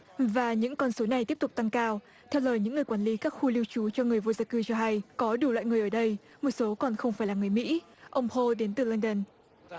và những con số này tiếp tục tăng cao theo lời những người quản lý các khu lưu trú cho người vô gia cư cho hay có đủ loại người ở đây một số còn không phải là người mỹ ông hô đến từ lân đần